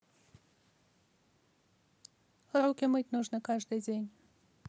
руки мыть нужно каждый день